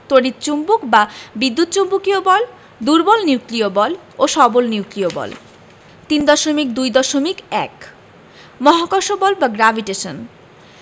তড়িৎ চৌম্বক বা বিদ্যুৎ চৌম্বকীয় বল দুর্বল নিউক্লিয় বল ও সবল নিউক্লিয় বল 3.2.1 মহাকর্ষ বল বা গ্রাভিটেশন